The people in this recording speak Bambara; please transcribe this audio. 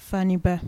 Faba